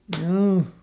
juu